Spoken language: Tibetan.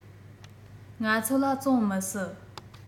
ང ཚོ ལ བཙོང མི སྲིད